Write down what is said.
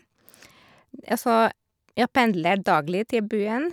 Ja, så jeg pendler daglig til byen.